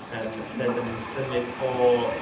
Yym lle 'dan ni'n symud o